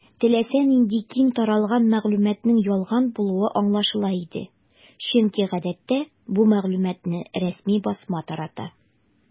Теләсә нинди киң таралган мәгълүматның ялган булуы аңлашыла иде, чөнки гадәттә бу мәгълүматны рәсми басма тарата.